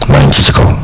maa ngi ci ci kaw